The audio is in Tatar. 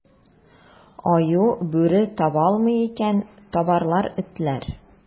Аю, бүре таба алмый икән, табарлар этләр.